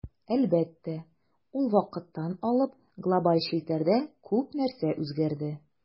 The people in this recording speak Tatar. Әлбәттә, ул вакыттан алып глобаль челтәрдә күп нәрсә үзгәрде.